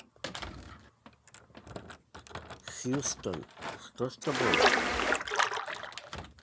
houston что с тобой